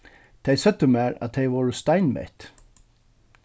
tey søgdu mær at tey vóru steinmett